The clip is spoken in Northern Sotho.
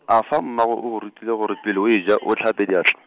afa mmago o go rutile gore pele o e ja o hlape diatla?